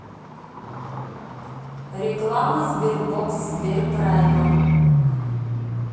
реклама sberbox сберпрайма